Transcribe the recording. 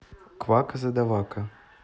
квака задавака